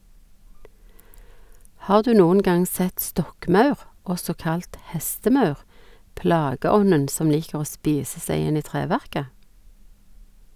Har du noen gang sett stokkmaur, også kalt hestemaur, plageånden som liker å spise seg inn i treverket?